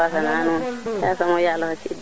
kaga soomo mais jege probleme leng